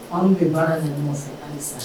An ni'u bɛ baaralɛ ɲɔgɔn fɛ hali sisan.